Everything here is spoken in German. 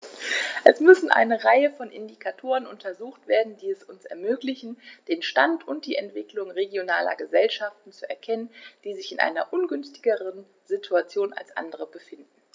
Es müssen eine Reihe von Indikatoren untersucht werden, die es uns ermöglichen, den Stand und die Entwicklung regionaler Gesellschaften zu erkennen, die sich in einer ungünstigeren Situation als andere befinden.